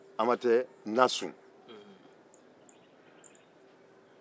nasun